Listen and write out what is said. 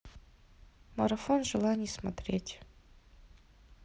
марафон желаний смотреть